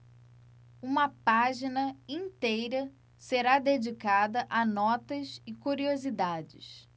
uma página inteira será dedicada a notas e curiosidades